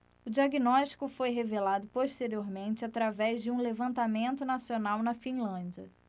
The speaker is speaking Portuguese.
o diagnóstico foi revelado posteriormente através de um levantamento nacional na finlândia